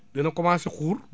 dana commencé xuur